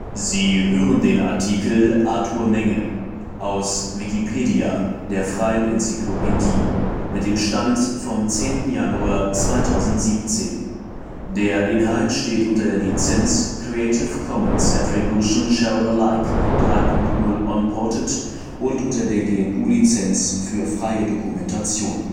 Sie hören den Artikel Arthur Menge, aus Wikipedia, der freien Enzyklopädie. Mit dem Stand vom Der Inhalt steht unter der Lizenz Creative Commons Attribution Share Alike 3 Punkt 0 Unported und unter der GNU Lizenz für freie Dokumentation